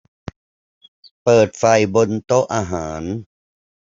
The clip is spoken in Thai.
เปิดไฟบนโต๊ะอาหาร